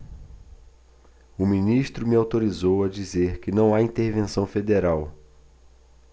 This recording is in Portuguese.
o ministro me autorizou a dizer que não há intervenção federal